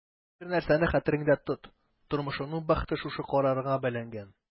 Бер нәрсәне хәтерендә тот: тормышыңның бәхете шушы карарыңа бәйләнгән.